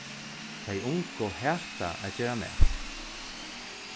tey ungu hata at gera mat